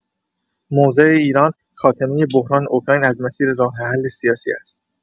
موضع ایران، خاتمه بحران اوکراین از مسیر راه‌حل سیاسی است.